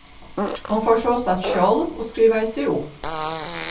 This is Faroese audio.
hon fór sostatt sjálv og skrivaði seg upp